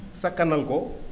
sakanal ko